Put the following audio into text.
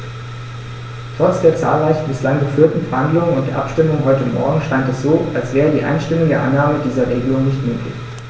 Trotz der zahlreichen bislang geführten Verhandlungen und der Abstimmung heute Morgen scheint es so, als wäre die einstimmige Annahme dieser Regelung nicht möglich.